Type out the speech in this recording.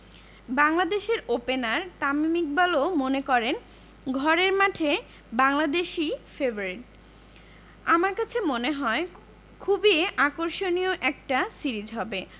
বাংলাদেশের ওপেনার তামিম ইকবালও মনে করেন ঘরের মাঠে বাংলাদেশই ফেবারিট আমার কাছে মনে হয় খুবই আকর্ষণীয় একটা সিরিজ হবে